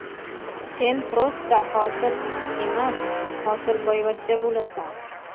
sen pro'sta hosil emas hosilboyvachcha bo'lasan